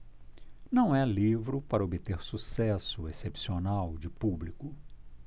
não é livro para obter sucesso excepcional de público